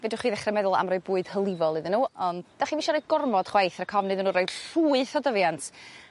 fedrwch chi ddechra meddwl am roi bwyd hylifol iddyn n'w on' 'dach chi'm isio roi gormod chwaith rac ofn iddyn n'w roid llwyth o dyfiant